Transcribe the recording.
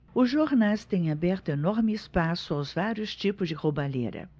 os jornais têm aberto enorme espaço aos vários tipos de roubalheira